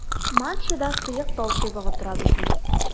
Матчада сыек талчыбыгы тора безнең.